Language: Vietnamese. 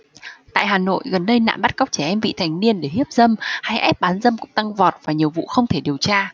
tại hà nội gần đây nạn bắt cóc trẻ em vị thành niên để hiếp dâm hay ép bán dâm cũng tăng vọt và nhiều vụ không thể điều tra